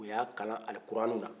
u y'a kalan alikuranɛ na